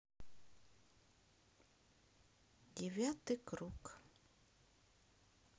девятый круг